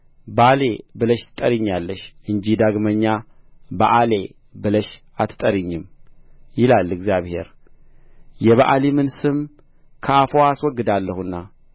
ባሌ ብለሽ ትጠሪኛለሽ እንጂ ዳግመኛ በኣሌ ብለሽ አትጠሪኝም ይላል እግዚአብሔር የበኣሊምን ስም ከአፍዋ አስወግደዋለሁና